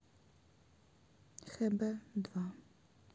хб два